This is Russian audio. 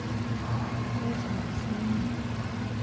кухня смени